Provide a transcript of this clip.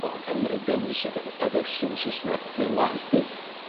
o Gymry'n dewis y fe- y fersiwn Sysne, neu'n waeth byth